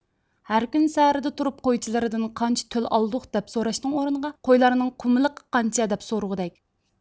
ھەر كۈنى سەھەردە تۇرۇپ قويچىلىرىدىن قانچە تۆل ئالدۇق دەپ سوراشنىڭ ئورنىغا قويلارنىڭ قۇمىلىقى قانچە دەپ سورىغۇدەك